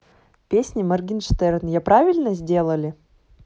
песня morgenshtern я правильно сделали